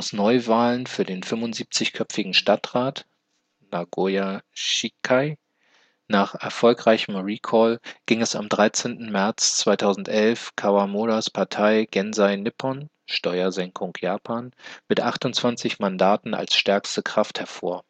Neuwahlen für den 75-köpfigen Stadtrat (Nagoya-shikai) nach erfolgreichem Recall ging am 13. März 2011 Kawamuras Partei Genzei Nippon („ Steuersenkung Japan “) mit 28 Mandaten als stärkste Kraft hervor